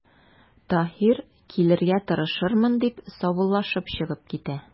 Таһир:– Килергә тырышырмын,– дип, саубуллашып чыгып китә.